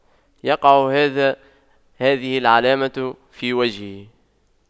يقع هذا هذه العلامة في وجهه